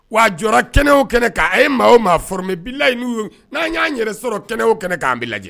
Wa jɔra kɛnɛw kɛnɛ k' a ye maa o maa foromɛla n'an y'a yɛrɛ sɔrɔ kɛnɛ kɛnɛ k'an bɛ lajɛ